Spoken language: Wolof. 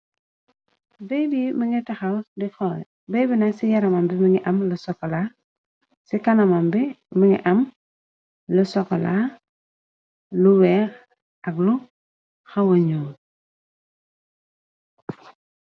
Baybi manga taxaw di xool baybi na ci yaramon bi mangi am la sokola ci kanaman bi mangi am lu sokola lu weex ak lu xawa ñuul.